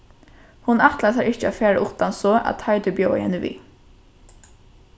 hon ætlaði sær ikki at fara uttan so at teitur bjóðaði henni við